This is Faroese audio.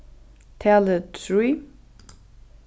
talið trý